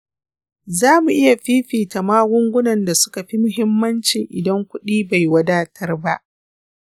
za mu iya fifita magungunan da suka fi muhimmanci idan kuɗi bai wadatar ba.